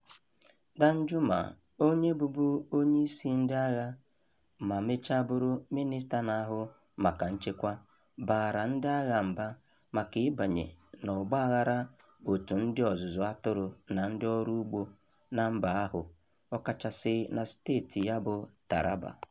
Danjuma, onye bụbu onyeisi ndị agha ma mechaa bụrụ mịnịsta na-ahụ maka nchekwa, baara ndị agha mba maka ịbanye n'ọgbaghara òtù ndị ọzụzụ atụrụ/ndị ọrụ ugbo na mba ahụ, ọ kachasị na steeti ya bụ Taraba.